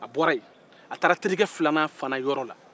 a bɔra ye a taara terikɛ filanan yɔrɔ la